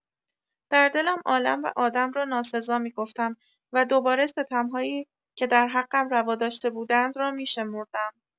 در دلم عالم و آدم را ناسزا می‌گفتم و دوباره ستم‌هایی که در حقم روا داشته بودند را می‌شمردم.